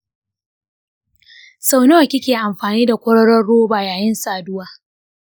sau nawa kike amfani da kwaroron roba yayin saduwa?